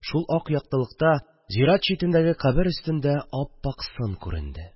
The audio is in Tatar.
Шул ак яктылыкта зират читендәге кабер өстендә ап-ак сын күренде